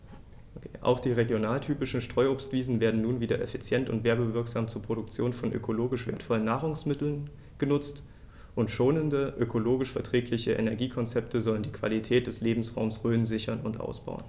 Auch die regionaltypischen Streuobstwiesen werden nun wieder effizient und werbewirksam zur Produktion von ökologisch wertvollen Nahrungsmitteln genutzt, und schonende, ökologisch verträgliche Energiekonzepte sollen die Qualität des Lebensraumes Rhön sichern und ausbauen.